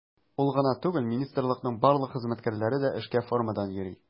Ул гына түгел, министрлыкның барлык хезмәткәрләре дә эшкә формадан йөри.